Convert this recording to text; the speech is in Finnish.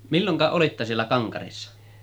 milloinka olitte siellä Kankarissa